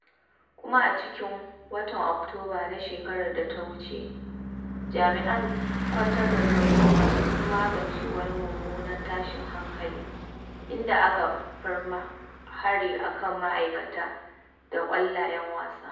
Kuma a cikin watan Oktoba na shekarar da ta wuce jami’an kwantar da tarzoma sun magance wani mummunan tashin hankali inda aka farma hari a kan ma’aikata da ƙwallayen wasa.